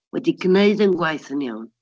Wedi gwneud ein gwaith yn iawn.